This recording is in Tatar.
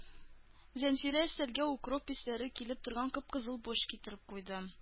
Зәнфирә өстәлгә укроп исләре килеп торган кып-кызыл борщ китереп куйды.